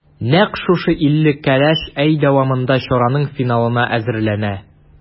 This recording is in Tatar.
Нәкъ шушы илле кәләш ай дәвамында чараның финалына әзерләнә.